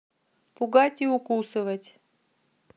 пугать и укусывать